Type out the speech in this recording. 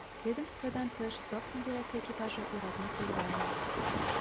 Ведомстводан тыш сак идарәсе экипажы ир-атны кулга ала.